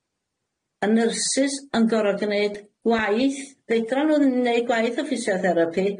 Y nyrsys yn gor'o' gneud gwaith, fedran nw ddim gneud gwaith o physiotherapy